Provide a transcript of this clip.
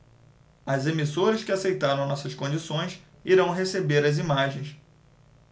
as emissoras que aceitaram nossas condições irão receber as imagens